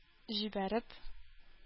Җибәреп